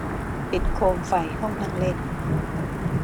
ปิดโคมไฟห้องนั่งเล่น